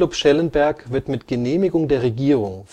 Schellenberg wird mit Genehmigung der Regierung